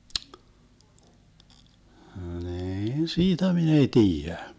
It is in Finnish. niin siitä minä ei tiedä